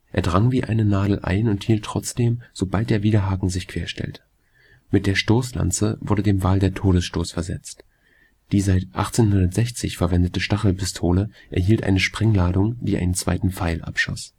Er drang wie eine Nadel ein und hielt trotzdem, sobald der Widerhaken sich quer stellte. Mit der Stoßlanze wurde dem Wal der Todesstoß versetzt. Die seit 1860 verwendete Stachelpistole enthielt eine Sprengladung, die einen zweiten Pfeil abschoss